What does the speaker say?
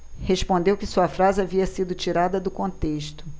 respondeu que a sua frase havia sido tirada do contexto